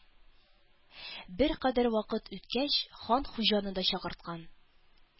Беркадәр вакыт үткәч, хан Хуҗаны да чакырткан